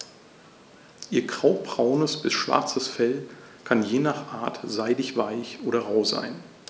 Ihr graubraunes bis schwarzes Fell kann je nach Art seidig-weich oder rau sein.